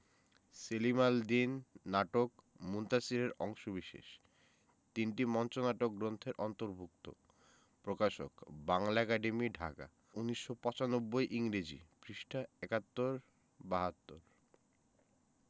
সেলিম আল দীন নাটক মুনতাসীর এর অংশবিশেষ তিনটি মঞ্চনাটক গ্রন্থের অন্তর্ভুক্ত প্রকাশকঃ বাংলা একাডেমী ঢাকা ১৯৯৫ ইংরেজি পৃ ৭১ ৭২